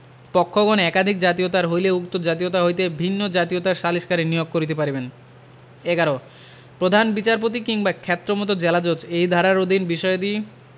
পক্ষঘণ একাধিক জাতীয়তার হইলে উক্ত জাতিয়তা হইতে ভিন্ন জাতীয়তার সালিসকারী নিয়োগ করিতে পারিবেন ১১ প্রধান বিচারপতি কিংবা ক্ষেত্রমত জেলাজজ এই ধারার অধীন বিষয়াদি